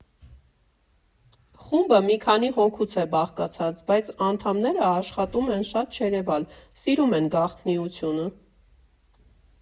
Խումբը մի քանի հոգուց է բաղկացած, բայց անդամները աշխատում են շատ չերևալ, սիրում են գաղտնիությունը։